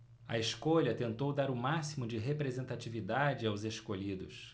a escolha tentou dar o máximo de representatividade aos escolhidos